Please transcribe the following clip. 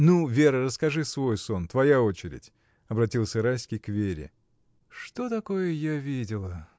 — Ну, Вера, скажи свой сон — твоя очередь! — обратился Райский к Вере. — Что такое я видела?